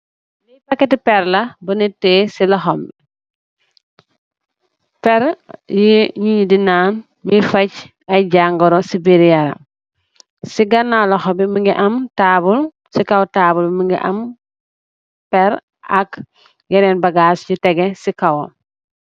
Packete perr la bu neet teyeh se lohom be perr yuy neet yee de nan purr fache aye jaguru se birr yaram se ganaw lohou be muge am table se kaw table be muge am perr ak yenen bagass nu tegeh se kawam.